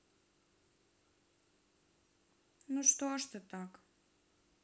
ну что ж ты так